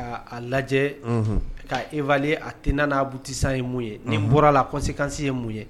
K'a lajɛ k' e'le a tɛna n'abutisan ye mun ye nin bɔra la kosi kansi ye mun ye